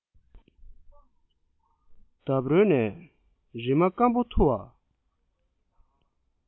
འདབས རོལ ནས རིལ མ སྐམ པོ ཐུ བ